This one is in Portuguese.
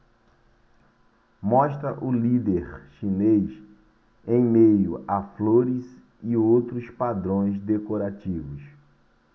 mostra o líder chinês em meio a flores e outros padrões decorativos